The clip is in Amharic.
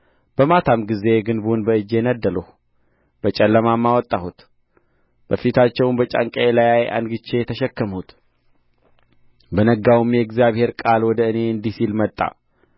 በማታም ጊዜ ግንቡን በእጄ ነደልሁ በጨለማም አወጣሁት በፊታቸውም በጫንቃዬ ላይ አንግቼ ተሸከምሁት በነጋውም የእግዚአብሔር ቃል ወደ እኔ እንዲህ ሲል መጣ